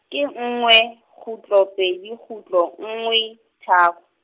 ke nngwe, kgutlo pedi kgutlo nngwe, tharo.